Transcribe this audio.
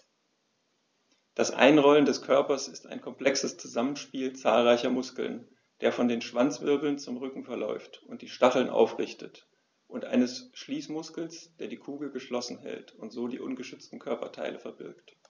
Das Einrollen des Körpers ist ein komplexes Zusammenspiel zahlreicher Muskeln, der von den Schwanzwirbeln zum Rücken verläuft und die Stacheln aufrichtet, und eines Schließmuskels, der die Kugel geschlossen hält und so die ungeschützten Körperteile verbirgt.